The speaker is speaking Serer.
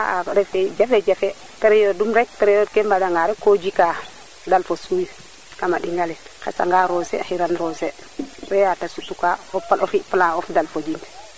xa a refe jafe jafe periode um rek periode periode ke mbada nga rek ko jika dalfo suuy kama ndingale xesa nga roose xiran roose baya te sutu ka o fi plan of dalfo jim baya a peut prés baya six mois ke mat na daal te soogo wago soti